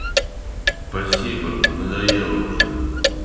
спасибо надоело уже